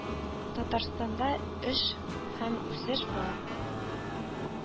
Татарстанда эш һәм үсеш бар